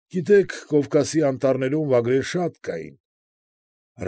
Գիտեք, Կովկասի անտառներում վագրեր շատ կային։